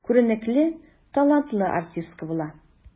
Күренекле, талантлы артистка була.